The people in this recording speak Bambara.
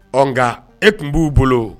Ɔn . Nka e kun bu bolo.